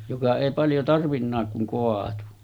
joka ei paljon tarvinnutkaan kun kaatui